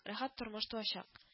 Рәхәт тормыш туачак